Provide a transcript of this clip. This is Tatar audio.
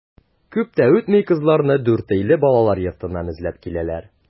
Күп тә үтми кызларны Дүртөйле балалар йортыннан эзләп киләләр.